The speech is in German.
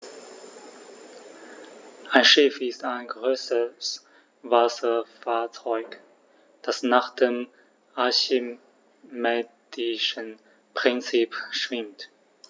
Ein Schiff ist ein größeres Wasserfahrzeug, das nach dem archimedischen Prinzip schwimmt.